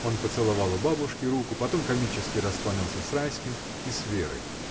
Он поцеловал у бабушки руку, потом комически раскланялся с Райским и с Верой.